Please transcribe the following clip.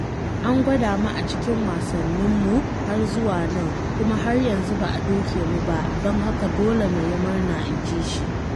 “An gwada mu a cikin wasanninmu har zuwa nan, kuma har yanzu ba a doke mu ba, don haka dole na yi murna,” inji shi.